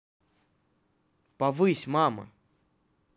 повысь мама